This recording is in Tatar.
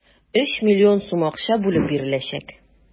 3 млн сум акча бүлеп биреләчәк.